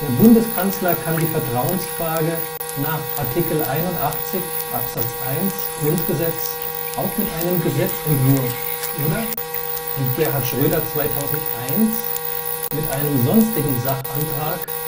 Bundeskanzler kann die Vertrauensfrage nach Art. 81 Abs. 1 GG auch mit einem Gesetzentwurf oder wie Gerhard Schröder 2001 mit einem sonstigen Sachantrag